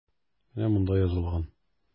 Менә монда язылган.